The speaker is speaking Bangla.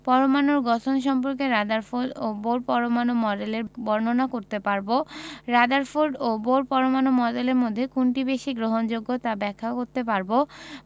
পরমাণুর গঠন সম্পর্কে রাদারফোর্ড ও বোর পরমাণু মডেলের বর্ণনা করতে পারব রাদারফোর্ড ও বোর পরমাণু মডেলের মধ্যে কোনটি বেশি গ্রহণযোগ্য তা ব্যাখ্যা করতে পারব